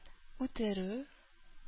Үтерү